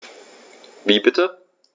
Wie bitte?